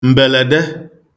m̀bèlède